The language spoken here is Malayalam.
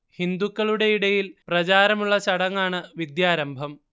ഹിന്ദുക്കളുടെ ഇടയിൽ പ്രചാരമുള്ള ചടങ്ങാണ് വിദ്യാരംഭം